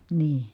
niin